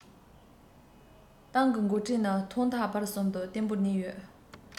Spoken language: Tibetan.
ཏང གི འགོ ཁྲིད ནི ཐོག མཐའ བར གསུམ དུ བརྟན པོར གནས ཡོད